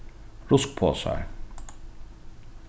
ruskposar